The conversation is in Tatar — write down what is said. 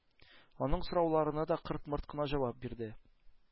Аның сорауларына да кырт-мырт кына җавап бирде.